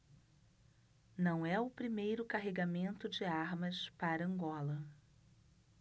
não é o primeiro carregamento de armas para angola